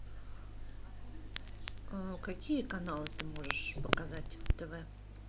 какие каналы ты можешь показать тв